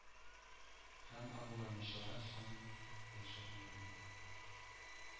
Һәм агуланучылар санын яшермәүне